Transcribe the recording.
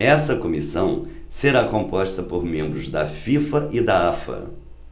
essa comissão será composta por membros da fifa e da afa